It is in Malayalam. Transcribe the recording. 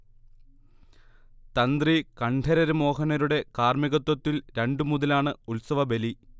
തന്ത്രി കണ്ഠരര് മോഹനരുടെ കാർമികത്വത്തിൽ രണ്ടുമുതലാണ് ഉത്സവബലി